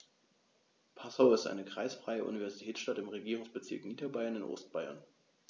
Passau ist eine kreisfreie Universitätsstadt im Regierungsbezirk Niederbayern in Ostbayern.